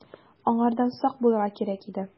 Аңардан сак булырга кирәк иде.